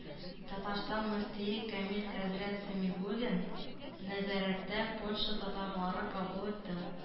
Татарстан мөфтие Камил хәзрәт Сәмигуллин нәзәрәттә Польша татарлары кабул итте.